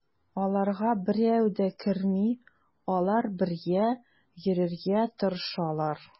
Аларга берәү дә керми, алар бергә йөрергә тырышалар.